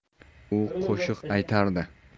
u qo'shiq aytardi